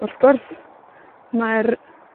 wrth gwrs, mae'r,